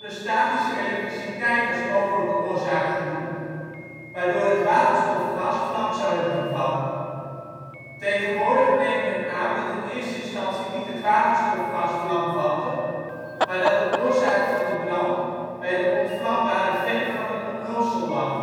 statische elektriciteit als mogelijke oorzaak genoemd, waardoor het waterstofgas vlam zou hebben gevat. Tegenwoordig neemt men aan dat in eerste instantie niet het waterstofgas vlam vatte, maar dat de oorzaak van de brand bij de ontvlambare verf van het omhulsel lag